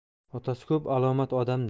otasi ko'p alomat odamda